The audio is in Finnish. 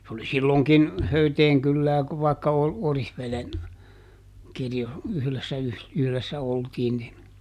se oli silloinkin Höyteen kylää vaikka - Oriveden - yhdessä - yhdessä oltiin niin